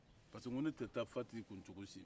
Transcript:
parce que nko ne tɛ taa fati kun cogo si